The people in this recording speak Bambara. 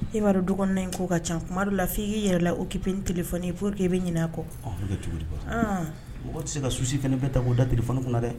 E b'a dɔn du kɔnɔna in ko ka ca tuma dɔw la f'i k'i yɛrɛ la occupé ni telefɔni ye pour que i bɛ ɲinɛ a kɔ , ɔ mɔgɔ tɛ se ka souci fɛnɛ bɛɛ ta k'o da telefɔni kunna dɛ